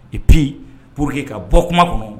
I bi pur que ka bɔ kuma kɔnɔ